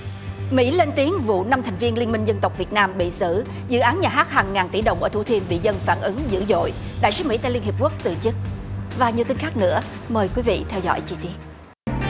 mỹ lên tiếng vụ năm thành viên liên minh dân tộc việt nam bị xử dự án nhà hát hàng ngàn tỷ đồng ở thủ thiêm bị dân phản ứng dữ dội đại sứ mỹ tại liên hiệp quốc từ chức và nhiều tin khác nữa mời quý vị theo dõi chi tiết